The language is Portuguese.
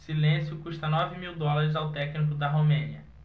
silêncio custa nove mil dólares ao técnico da romênia